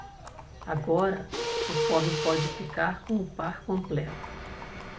agora o pobre pode ficar com o par completo